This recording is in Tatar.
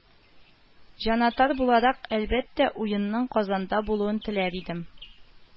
Җанатар буларак, әлбәттә, уенның Казанда булуын теләр идем